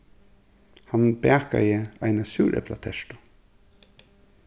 hann bakaði eina súreplatertu